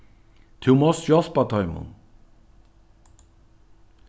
tú mást hjálpa teimum